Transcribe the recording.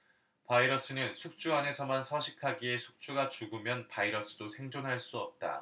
바이러스는 숙주 안에서만 서식하기에 숙주가 죽으면 바이러스도 생존할 수 없다